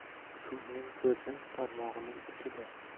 ko'rning ko'zi barmog'ining uchida